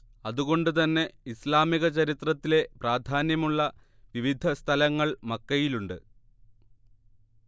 അത് കൊണ്ട് തന്നെ ഇസ്ലാമിക ചരിത്രത്തിലെ പ്രാധാന്യമുള്ള വിവിധ സ്ഥലങ്ങൾ മക്കയിലുണ്ട്